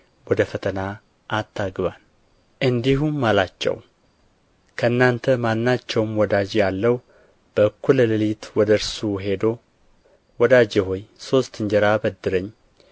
ወደ ፈተና አታግባን እንዲህም አላቸው ከእናንተ ማናቸውም ወዳጅ ያለው በእኩል ሌሊትስ ወደ እርሱ ሄዶ ወዳጄ ሆይ ሦስት እንጀራ አበድረኝ